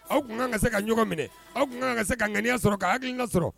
Aw tun kan ka se ka ɲɔgɔn minɛ aw tun k kan ka se ka ŋaniya sɔrɔ ka aw ka sɔrɔ